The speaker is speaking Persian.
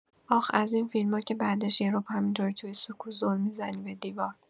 آخ، از این فیلما که بعدش یه ربع همین‌طوری توی سکوت زل می‌زنی به دیوار؟